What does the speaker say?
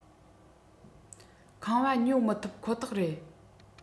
ཁང བ ཉོ མི ཐུབ ཁོ ཐག རེད